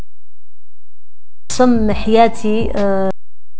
ثم حياتي